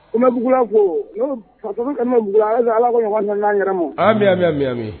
U mabuguugula ko fatougu ala ka ɲɔgɔn yɛrɛ ma an mimi mimi